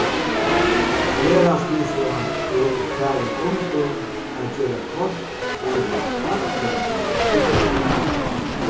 ferðaskrivstovan er farin undir at gera kort yvir allar bygdirnar